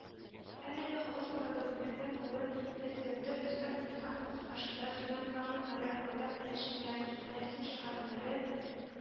Әлеге халыкара документны бүген Президенты Рөстәм Миңнеханов катнашында Түбән Кама мэры Айдар Метшин белән Мәрсин шәһәре мэр